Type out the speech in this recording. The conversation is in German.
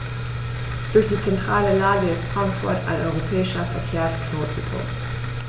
Durch die zentrale Lage ist Frankfurt ein europäischer Verkehrsknotenpunkt.